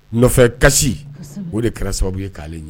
Nɔfɛ kasi o de kɛra sababu ye'ale ye